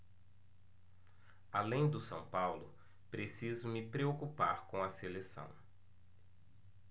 além do são paulo preciso me preocupar com a seleção